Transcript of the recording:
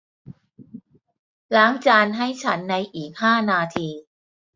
ล้างจานให้ฉันในอีกห้านาที